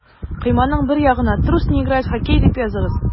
Койманың бер ягына «Трус не играет в хоккей» дип языгыз.